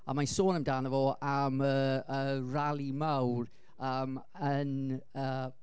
A mae'n sôn amdano fo am y y rali mawr yym... yn yy... Pontypridd